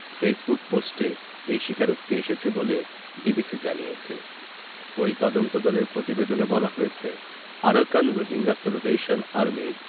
Facebook পোস্টে এই স্বীকারোক্তি এসেছে বলে বিবিসি জানিয়েছে ওই তদন্তদলের প্রতিবেদনে বলা হয়েছে আরাকান রোহিঙ্গা স্যালভেশন আর্মির